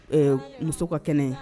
Ɛɛ musow ka kɛnɛ